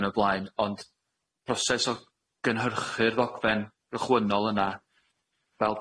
yn y blaen ond proses o gynhyrchu'r ddogfen gychwynol yna fel